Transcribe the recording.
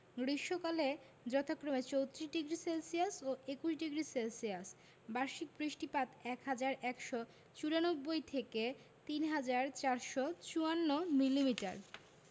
গ্রীষ্মকালে যথাক্রমে ৩৪ডিগ্রি সেলসিয়াস ও ২১ডিগ্রি সেলসিয়াস বার্ষিক বৃষ্টিপাত ১হাজার ১৯৪ থেকে ৩হাজার ৪৫৪ মিলিমিটার